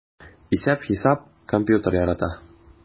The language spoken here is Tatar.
Исәп-хисап, компьютер ярата...